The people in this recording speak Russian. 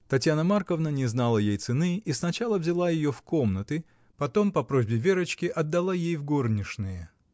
Татьяна Марковна не знала ей цены и сначала взяла ее в комнаты, потом, по просьбе Верочки, отдала ей в горничные.